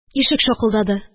Ишек шакылдады